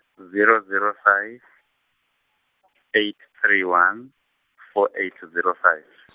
zero zero five eight three one four eight zero five .